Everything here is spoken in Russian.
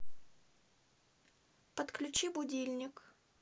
подключи будильник